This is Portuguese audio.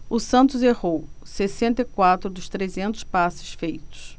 o santos errou sessenta e quatro dos trezentos passes feitos